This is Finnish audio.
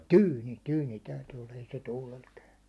tyyni tyyni täytyi olla ei se tuulella käy